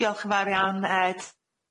Diolch yn fawr iawn Ed.